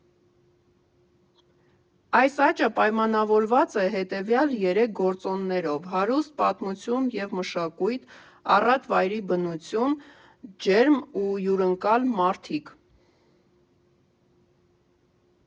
Այս աճը պայմանավորված է հետևյալ երեք գործոններով՝ հարուստ պատմություն և մշակույթ, առատ վայրի բնություն, ջերմ ու հյուրընկալ մարդիկ։